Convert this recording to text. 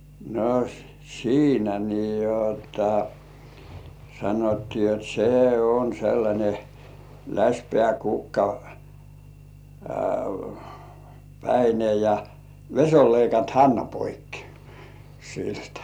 no siinä niin jotta sanottiin jotta se on sellainen läsipää - kukkapäinen ja vesi oli leikannut hännän poikki siltä